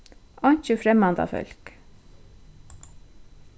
einki fremmanda fólk